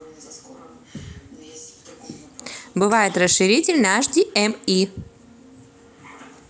бывает расширитель на hdmi